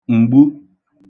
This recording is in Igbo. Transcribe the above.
m̀gbu